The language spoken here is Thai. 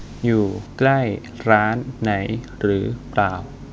อยู่ใกล้ร้านไหนหรือเปล่า